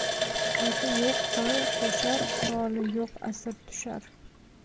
oti yo'q toy qo'shar quroli yo'q asir tushar